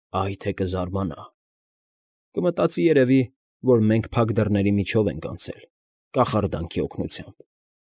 Այ թե կզարմանա՜… կմտածի, երևի, որ մենք փակ դռների միջով ենք անցել, կախարդանքի օգնությամբ։